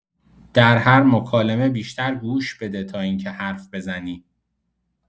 در هر مکالمه بیشتر گوش بده تا اینکه حرف بزنی.